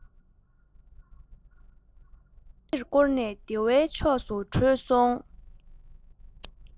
ཁ ཕྱིར བསྐོར ནས སྡེ བའི ཕྱོགས སུ བྲོས སོང